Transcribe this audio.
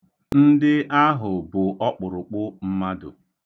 Ndị ahụ bụ ọkpụrụkpụ mmadụ.